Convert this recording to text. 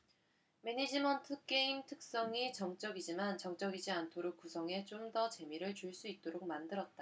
매니지먼트 게임 특성이 정적이지만 정적이지 않도록 구성해 좀 더 재미를 줄 수 있도록 만들었다